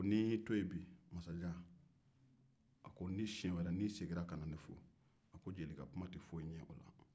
ni n y'i to yen bi masajan n'i seginna a kan siɲɛ jeli ka kuma tɛ foyi ɲɛ o la